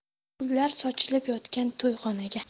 pullar sochilib yotgan to'yxonaga